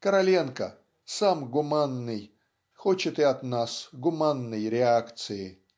Короленко, сам гуманный, хочет и от нас гуманной реакции.